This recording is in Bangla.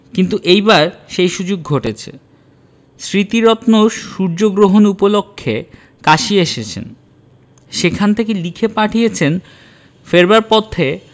কিন্তু এইবার সেই সুযোগ ঘটেছে স্মৃতিরত্ন সূর্যগ্রহণ উপলক্ষে কাশী এসেছেন সেখান থেকে লিখে পাঠিয়েছেন ফেরবার পথে